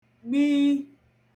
gbii